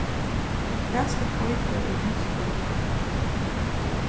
hvat skal hveiti í hunds búk